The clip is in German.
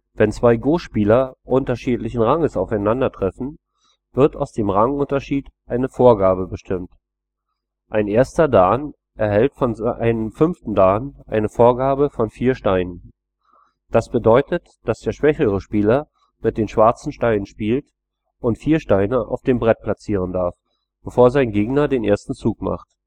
Wenn zwei Go-Spieler unterschiedlichen Ranges aufeinandertreffen, wird aus dem Rangunterschied eine Vorgabe bestimmt: Ein 1. Dan erhält gegen einen 5. Dan eine Vorgabe von 4 Steinen. Das bedeutet, dass der schwächere Spieler mit den schwarzen Steinen spielt und 4 Steine auf dem Brett platzieren darf, bevor sein Gegner den ersten Zug macht